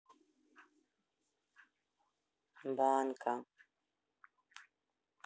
банка